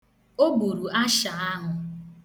O gburu asha ahụ.